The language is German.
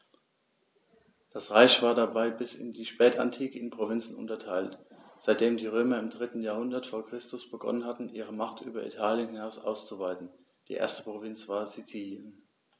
Das Reich war dabei bis in die Spätantike in Provinzen unterteilt, seitdem die Römer im 3. Jahrhundert vor Christus begonnen hatten, ihre Macht über Italien hinaus auszuweiten (die erste Provinz war Sizilien).